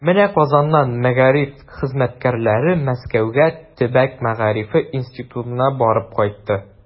Менә Казаннан мәгариф хезмәткәрләре Мәскәүгә Төбәк мәгарифе институтына барып кайтты.